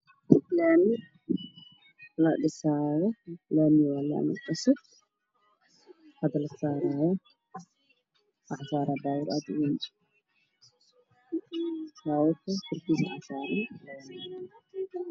Waxaa ii muuqda waddo laami ah oo la sameynayo laamiga waxaa la miranayaa wax madow waxaan horsocday baabuur geesahana waxaa ka xigo dad dy